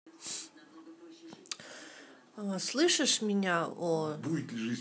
слышишь меня о